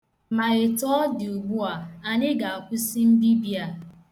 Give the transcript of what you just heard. Ma etu ọ dị ugbu a,anyị ga-akwụsị mbibi a.